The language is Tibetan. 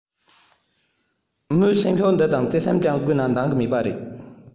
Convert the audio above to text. མོས སེམས ཤུགས འདི དང བརྩེ སེམས ཀྱང དགོས ན འདང གི མེད པ རེད